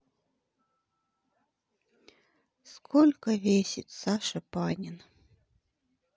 сколько весит саша панин